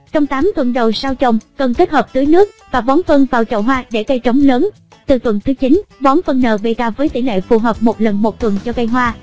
trong tuần đầu sau trồng cần kết hợp tưới nước và bón phân vào chậu hoa để cây chóng lớn từ tuần thứ bón phân npk với tỉ lệ phù hợp lần tuần cho cây hoa